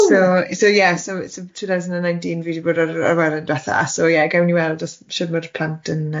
So so ie so so two thousand and nineteen fi wedi bod ar awyren dwetha, so ie gawn ni weld os- shwd ma'r plant yn yy,